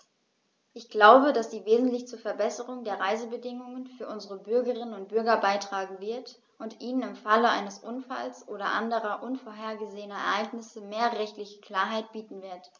Ich glaube, dass sie wesentlich zur Verbesserung der Reisebedingungen für unsere Bürgerinnen und Bürger beitragen wird, und ihnen im Falle eines Unfalls oder anderer unvorhergesehener Ereignisse mehr rechtliche Klarheit bieten wird.